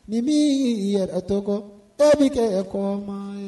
Nin min yɛrɛtɔkɔ e bɛ kɛ kɔ ma ye